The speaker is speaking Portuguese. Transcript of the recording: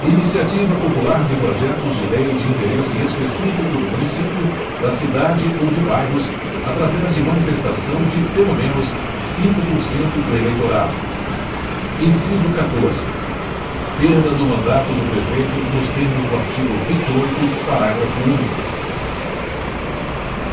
iniciativa popular de projetos de lei de interesse específico do município da cidade ou de bairros através de manifestação de pelo menos cinco por cento do eleitorado inciso catorze perda do mandato do prefeito nos termos do artigo vinte e oito parágrafo único